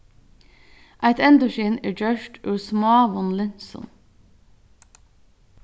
eitt endurskin er gjørt úr smáum linsum